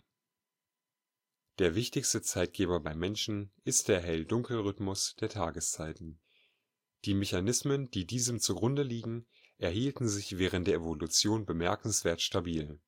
Der wichtigste Zeitgeber beim Menschen ist der Hell-Dunkel-Rhythmus der Tageszeiten. Die Mechanismen, die diesem zugrunde liegen, erhielten sich während der Evolution bemerkenswert stabil